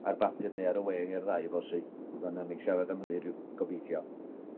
r'r bapur ne' ar y we ne'r ddau bosib falla nawn ni siarad am hynny ryw- gobeithio.